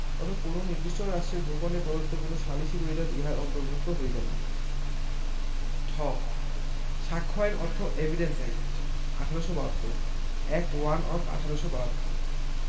তবে কোন নির্দিষ্ট রাষ্ট্রের ভূখন্ডে প্রদত্ত কোন সালিসী রোয়েদাদ ইহার অন্তর্ভুক্ত হইবে না ঠ সাক্ষ্য আইন অর্থ evidence act. ১৮৭২ act one of ১৮৭২